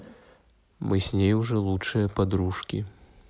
мы с ней уже лучшие подружки